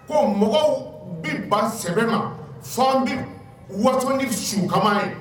Ko mɔgɔw bɛ ba sɛbɛn na fɔ bɛ waso ni sunkaman ye